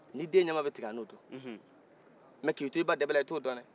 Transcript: ni den ɲama bɛ tigɛ a n'o dɔn mais k'i to i ba dɛbɛla i t'o dɔn dɛ